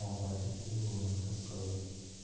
otashin tuyg'uni xis qildi